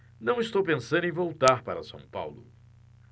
não estou pensando em voltar para o são paulo